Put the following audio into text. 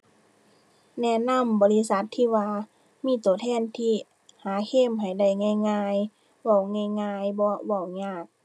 แนะนำบริษัทที่ว่ามีตัวแทนที่หาเคลมให้ได้ง่ายง่าย เว้าง่ายง่าย บ่เว้ายาก